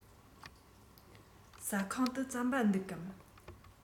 ཟ ཁང དུ རྩམ པ འདུག གམ